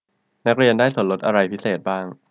นักเรียนได้ส่วนลดอะไรพิเศษบ้าง